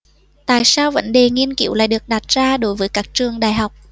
tại sao vấn đề nghiên cứu lại được đặt ra đối với các trường đại học